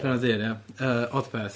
Pennod un ia? yy Odpeth